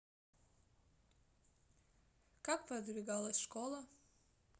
как продвигалась школа